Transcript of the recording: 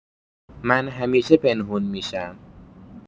من همیشه پنهون می‌شم.